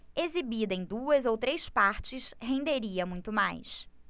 exibida em duas ou três partes renderia muito mais